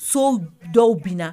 So dɔw bɛ na